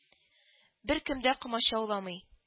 —беркем дә комачауламый